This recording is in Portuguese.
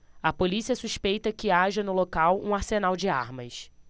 a polícia suspeita que haja no local um arsenal de armas